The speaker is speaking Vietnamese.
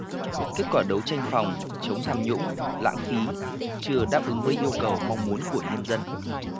kết quả đấu tranh phòng chống tham nhũng lãng phí chưa đáp ứng với yêu cầu mong muốn của nhân dân